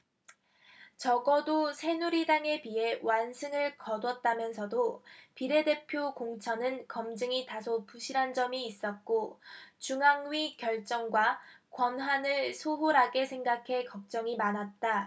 적어도 새누리당에 비해 완승을 거뒀다면서도 비례대표 공천은 검증이 다소 부실한 점이 있었고 중앙위 결정과 권한을 소홀하게 생각해 걱정이 많았다